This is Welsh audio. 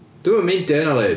Dwi'm yn meindio hynna 'li